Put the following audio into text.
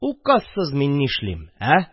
Указсыз мин нишлим? Ә